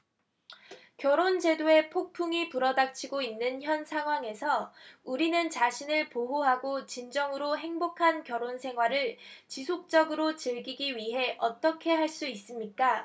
결혼 제도에 폭풍이 불어 닥치고 있는 현 상황에서 우리는 자신을 보호하고 진정으로 행복한 결혼 생활을 지속적으로 즐기기 위해 어떻게 할 수 있습니까